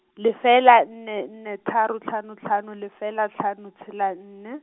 lefela nne nne tharo hlano hlano lefela hlano tshela nne.